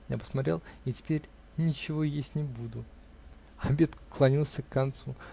Я посмотрел и теперь ничего есть не буду. Обед клонился к концу.